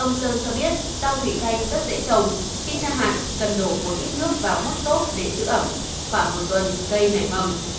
ông sơn cho biết rau thủy canh rất dễ trồng khi tra hạt cần đổ một ít nước vào mút xốp để giữ ẩm khoảng một tuần cây nảy mầm